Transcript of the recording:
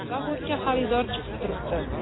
zavodga xaridor chiqib turibdi